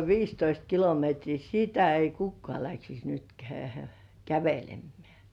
viisitoista kilometriä sitä ei kukaan lähtisi nyt - kävelemään